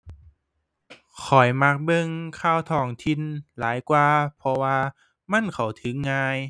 ข้อยมักเบิ่งข่าวท้องถิ่นหลายกว่า เพราะว่ามันเข้าถึงง่าย